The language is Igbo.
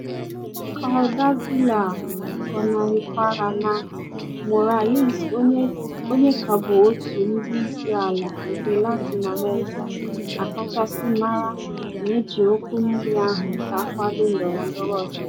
Calzadilla gọnarịkwara na Morales - onye ka bụ otu ndị isi ala nke Latin America akachasị mara - na eji okwu mmiri ahụ ka nkwado ndọrọndọrọ ọchịchị.